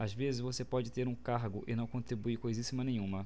às vezes você pode ter um cargo e não contribuir coisíssima nenhuma